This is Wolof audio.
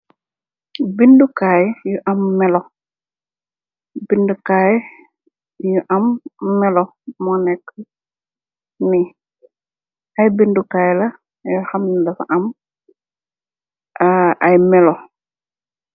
Bondu kay la you am aye mello